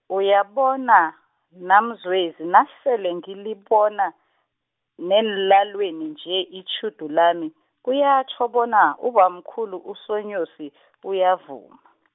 uyabona, NaMzwezi nasele ngilibona, neenlwaneni nje itjhudu lami, kuyatjho bona, ubamkhulu uSoNyosi , uyavuma.